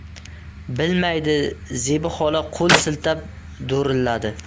bilmaydi zebi xola qo'l siltab do'rilladi